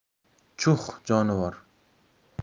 chuh jonivor